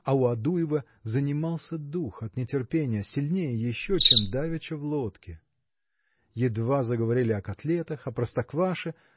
а у Адуева занимался дух от нетерпения сильнее еще чем давеча в лодке. Едва заговорили о котлетах о простокваше